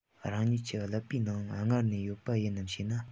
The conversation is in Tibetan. རང ཉིད ཀྱི ཀླད པའི ནང སྔར ནས ཡོད པ ཡིན ནམ ཞེ ན